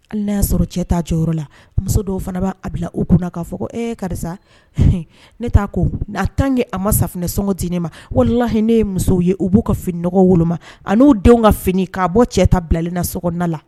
N'a y'a sɔrɔ cɛ taa jɔyɔrɔ la muso dɔw fana b'a a bila u kunna k'a fɔ e karisa ne t'a ko' a tan kɛ a ma safunɛ sɔngɔko' ne ma wala lahi ne ye musow ye u b'u ka finiɔgɔ wolo a n'u denw ka fini k'a bɔ cɛ ta bilalina soɔgɔda la